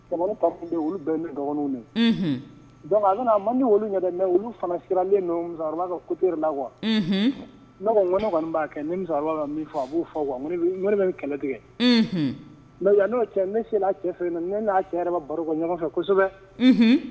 Pa olu bɛn ne dɔgɔninw dɔnku a nana ma min mɛ olu fana sira ne ka kute la wa n ne b'a kɛ ni a b'u faa bɛ kɛlɛ tigɛ yan n'o cɛ ne se cɛ fɛ na ne n'a cɛ yɛrɛ baro ɲɔgɔn fɛ